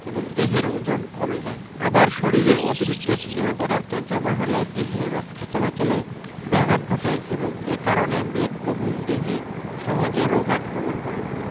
এবং দেহের ওজন কমে যায় আবার শরীরে অতিরিক্ত স্নেহ পদার্থ জমা হলে দেহে রক্ত চলাচলে ব্যাঘাত ঘটে এবং এ কারণে মেদবহুল দেহে সহজে রোগ আক্রমণ করে